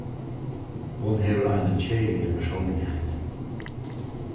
hon hevur eina keðiliga persónligheit